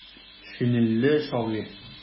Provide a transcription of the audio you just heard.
Шинельле шагыйрь.